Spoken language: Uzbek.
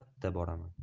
albalta boraman